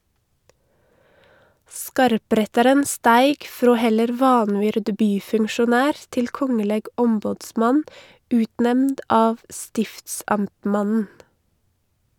Skarprettaren steig frå heller vanvyrd byfunksjonær til kongeleg ombodsmann, utnemnd av stiftsamtmannen.